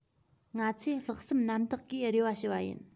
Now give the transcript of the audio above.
ང ཚོས ལྷག བསམ རྣམ དག གིས རེ བ ཞུ བ ཡིན